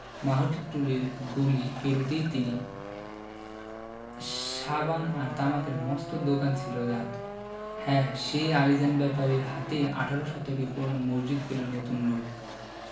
মাহুতটুলির গলি পেরুতেন তিনি সাবান আর তামাকের মস্ত দোকান ছিল যার হ্যাঁ সেই আলীজান ব্যাপারীর হাতেই আঠারো শতকের পুরোনো মসজিদ পেলো নতুন রুপ